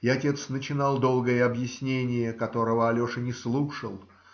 И отец начинал долгое объяснение, которого Алеша не слушал.